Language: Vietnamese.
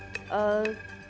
ờ